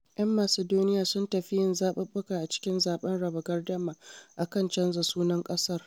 ‘Yan Macedonia sun tafi yin zaɓuɓɓuka a cikin zaɓen raba gardama a kan canza sunan kasar